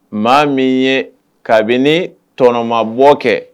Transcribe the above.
Maa min ye kabini tɔnɔmabɔ kɛ